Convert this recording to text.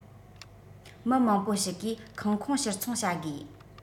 མི མང པོ ཞིག གིས ཁང ཁོངས ཕྱིར འཚོང བྱ དགོས